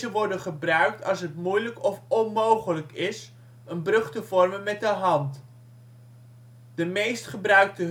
worden gebruikt als het moeilijk of onmogelijk is een brug te vormen met de hand. De meest gebruikte